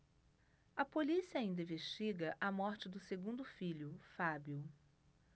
a polícia ainda investiga a morte do segundo filho fábio